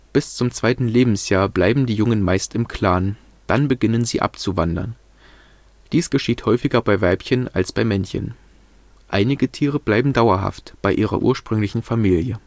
Bis zum zweiten Lebensjahr bleiben die Jungen meist im Clan, dann beginnen sie, abzuwandern. Dies geschieht häufiger bei Weibchen als bei Männchen. Einige Tiere bleiben dauerhaft bei ihrer ursprünglichen Familie